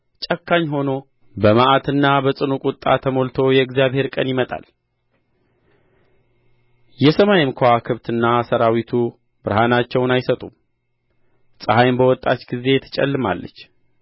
ጨካኝ ሆኖ በመዓትና በጽኑ ቍጣ ተሞልቶ የእግዚአብሔር ቀን ይመጣል የሰማይም ከዋክብትና ሠራዊቱ ብርሃናቸውን አይሰጡም ፀሐይም በወጣች ጊዜ ትጨልማለች